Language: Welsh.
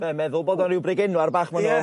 Be' meddwl bod o'n ryw bregenwar bach ma' n'w ie.